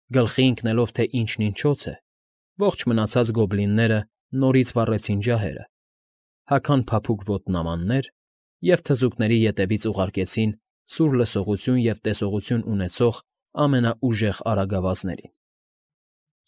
Գլխի ընկնելով, թե ինչն ինչոց է, ողջ մնացած գոբլինները նորից վառեցին ջահերը, հագան փափուկ ոտնամաններ և թզուկների հետևից ուղարկեցին սուր լսողություն ու տեսողություն ունեցող ամենաուժեղ արագավազներին։